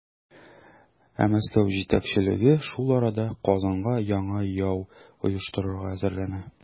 Ә Мәскәү җитәкчелеге шул арада Казанга яңа яу оештырырга әзерләнә.